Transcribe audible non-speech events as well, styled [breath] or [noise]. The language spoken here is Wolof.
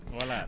[breath] voilà